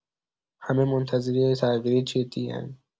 همه منتظر یه تغییر جدی‌ان.